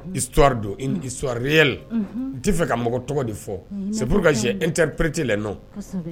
I sɔri don i sɔrirey la' fɛ ka mɔgɔ tɔgɔ de fɔ seuru ka jɛ ntp pprete la nɔ